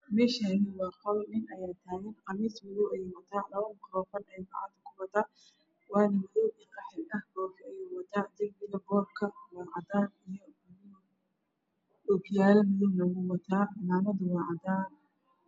Meeshaani waa qol nin ayaa taagan qamiis madow ayuu wataa dhalo ayuu gacanta ku wataa wana madow iyo qaxwi ah koofi ayuu wataa dariga boorka waa cadaan okiyaalo madow wuu wataa cimaamada waa cadaan